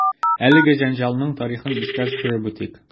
Әлеге җәнҗалның тарихын искә төшереп үтик.